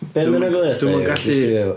Be ma'n ogleuo fatha... Dwi'm yn gallu.